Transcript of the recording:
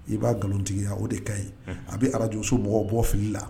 I b'a nkalontigiya o de ka ɲi a bɛ arajso mɔgɔ bɔ fili la